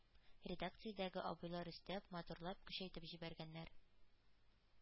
Редакциядәге абыйлар өстәп, матурлап, көчәйтеп җибәргәннәр.